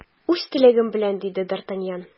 Үз теләгем белән! - диде д’Артаньян.